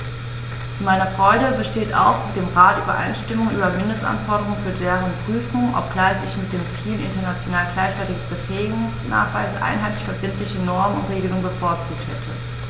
Zu meiner Freude besteht auch mit dem Rat Übereinstimmung über Mindestanforderungen für deren Prüfung, obgleich ich mit dem Ziel international gleichwertiger Befähigungsnachweise einheitliche verbindliche Normen und Regelungen bevorzugt hätte.